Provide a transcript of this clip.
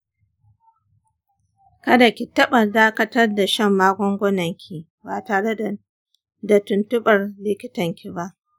kada ki taɓa dakatar da shan magungunanki ba tare da tuntuɓar likitanki ba.